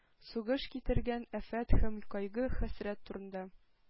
Сугыш китергән афәт һәм кайгы-хәсрәт турында